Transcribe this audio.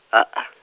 a a.